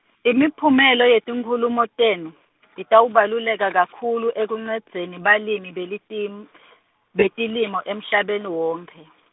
imiphumela yetinkhulumo tenu , itawubaluleka kakhulu ekuncendzeni balirni betilim-, betilimo emhlabeni wonkhe.